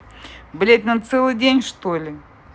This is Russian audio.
блядь на целый день что ли